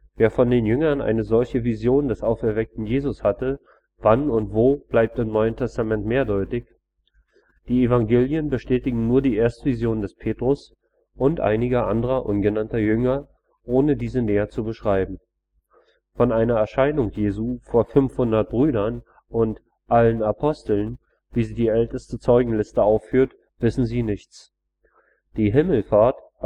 Wer von den Jüngern eine solche Vision des auferweckten Jesus hatte, wann und wo, bleibt im NT mehrdeutig. Die Evangelien bestätigen nur die Erstvision des Petrus und einiger anderer ungenannter Jünger, ohne diese näher zu beschreiben. Von einer Erscheinung Jesu vor „ 500 Brüdern “und „ allen Aposteln “, wie sie die älteste Zeugenliste aufführt, wissen sie nichts. Die „ Himmelfahrt